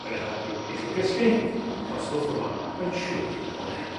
yn helpu i chi gysgu ma'r stwff yma yn siŵr o neud.